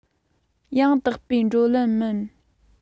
ཡང དག པའི བགྲོད ལམ མིན